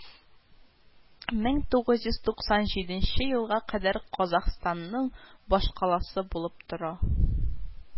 Мең тугыз йөз туксан җиденче елга кадәр казакъстанның башкаласы булып тора